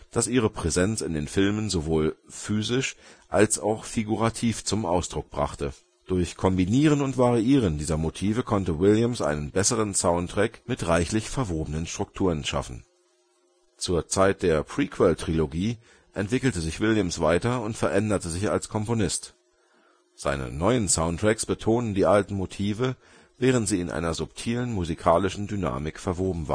das ihre Präsenz in den Filmen sowohl physisch als auch figurativ zum Ausdruck brachte. Durch Kombinieren und Variieren dieser Motive konnte Williams einen besseren Soundtrack mit reichlich verwobenen Strukturen schaffen. Zur Zeit der Prequel-Trilogie entwickelte sich Williams weiter und veränderte sich als Komponist. Seine neuen Soundtracks betonten die alten Motive, während sie in einer subtilen musikalischen Dynamik verwoben